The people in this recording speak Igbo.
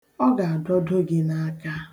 Ọ ga-adọdo gị n'aka.